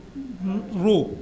ruu